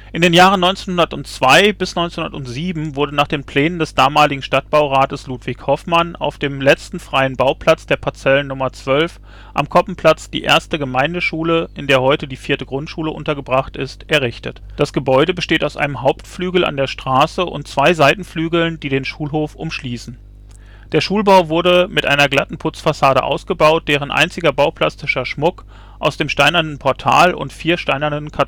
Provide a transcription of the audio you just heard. In den Jahren 1902 bis 1907 wurde nach den Plänen des damaligen Stadtbaurats Ludwig Hoffmann auf dem letzten freien Bauplatz der Parzellen Nr. 12 am Koppenplatz die 1. Gemeindeschule, in der heute die 4. Grundschule untergebracht ist, errichtet. Das Gebäude besteht aus einem Hauptflügel an der Straße und zwei Seitenflügeln, die den Schulhof umschließen. Der Schulbau wurde mit einer glatten Putzfassade ausgeführt, deren einziger bauplastischer Schmuck aus dem steinernen Portal und vier steinernen